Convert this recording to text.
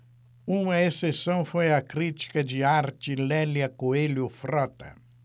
uma exceção foi a crítica de arte lélia coelho frota